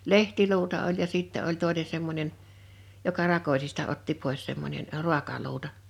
lehtiluuta oli ja sitten oli toinen semmoinen joka rakosista otti pois semmoinen - ruokaluuta